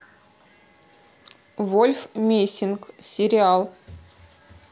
вольф мессинг сериал